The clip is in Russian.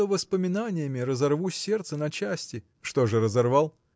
что воспоминаниями разорву сердце на части. – Что же, разорвал?